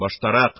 Баштарак,